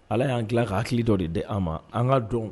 Ala yann gilan ka hakili dɔ de di an ma an ka dɔn